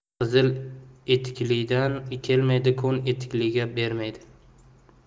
qizil etiklidan kelmaydi ko'n etikliga bermaydi